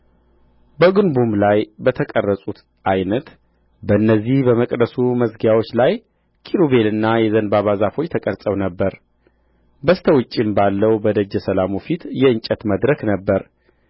በግንቡም ላይ በተቀረጹት ዓይነት በእነዚህ በመቅደሱ መዝጊያዎች ላይ ኪሩቤልና የዘንባባ ዛፎች ተቀርጸው ነበር በስተ ውጭም ባለው በደጀ ሰላሙ ፊት የእንጨት መድረክ ነበረ